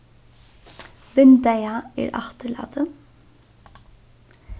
vindeygað er afturlatið